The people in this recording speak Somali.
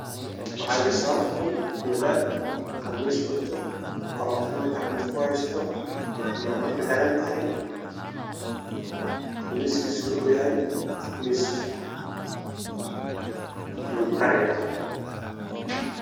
Waxa iga sohor baxay wadad qamis wato makarofan gacanta kuhesto amamad uxerantahay qamiskisa ow yahay baluug maari